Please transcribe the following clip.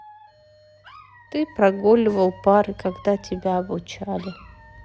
ты прогуливал пары когда тебя обучали